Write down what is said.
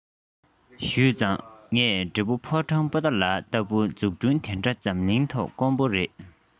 ཞུས ཙང དངོས འབྲེལ ཕོ བྲང པོ ཏ ལ ལྟ བུའི འཛུགས སྐྲུན དེ འདྲ འཛམ གླིང ཐོག དཀོན པོ རེད